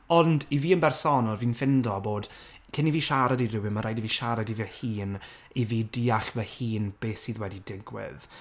Ond, i fi yn bersonol, fi'n ffindo bod, cyn i fi siarad i rywun, ma' raid i fi siarad i fy hun, i fi deall fy hun, be sydd wedi digwydd.